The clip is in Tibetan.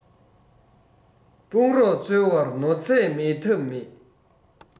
དཔུང རོགས འཚོལ བར ནོར རྫས མེད ཐབས མེད